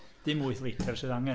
Dim wyth litr sydd angen.